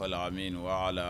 An min ala